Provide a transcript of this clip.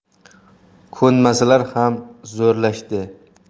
ko'nmasalar ham zo'rlashdi